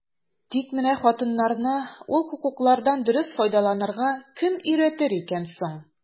Тик менә хатыннарны ул хокуклардан дөрес файдаланырга кем өйрәтер икән соң?